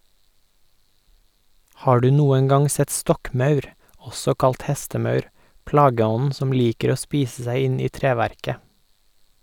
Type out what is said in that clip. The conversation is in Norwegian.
Har du noen gang sett stokkmaur, også kalt hestemaur, plageånden som liker å spise seg inn i treverket?